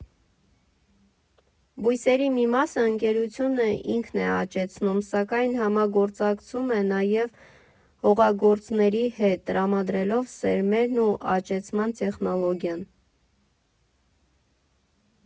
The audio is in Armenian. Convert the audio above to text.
Բույսերի մի մասը ընկերությունը ինքն է աճեցնում, սակայն համագործակցում է նաև հողագործների հետ, տրամադրելով սերմերն ու աճեցման տեխնոլոգիան։